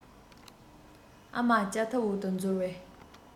ཨ མ ལྕགས ཐབ འོག ཏུ འཛུལ བའི